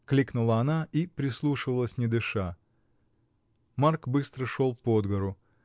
— крикнула она и прислушивалась, не дыша. Марк быстро шел под гору.